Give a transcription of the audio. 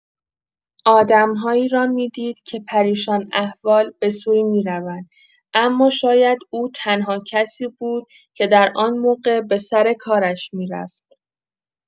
آدم‌هایی را می‌دید که پریشان‌احوال به‌سویی می‌روند، اما شاید او تنها کسی بود که در آن موقع به سر کارش می‌رفت.